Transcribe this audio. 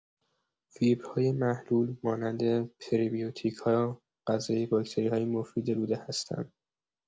فیبرهای محلول مانند پری‌بیوتیک‌ها غذای باکتری‌های مفید روده هستند.